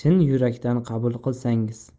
yurakdan qabul qilsangiz